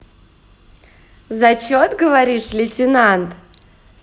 зачет говоришь лейтенант